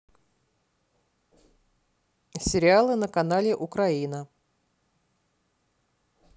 сериалы на канале украина